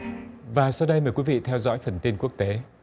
và sau đây mời quý vị theo dõi phần tin quốc tế